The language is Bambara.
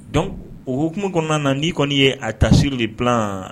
Dɔn o hukumu kɔnɔna na ni kɔni ye a ta sur de bila